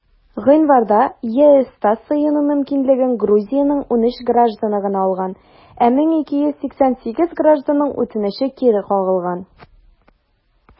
Гыйнварда ЕСта сыену мөмкинлеген Грузиянең 13 гражданы гына алган, ә 1288 гражданның үтенече кире кагылган.